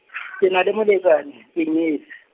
ke na le molekane, ke nyetse.